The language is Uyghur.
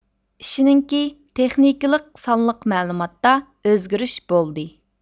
ئىشىنىڭكى تېخنىكىلىق سانلىق مەلۇماتىدا ئۆزگىرىش بولدى